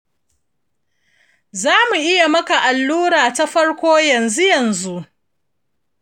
zamu yi maka allura ta farko yanzu-yanzu.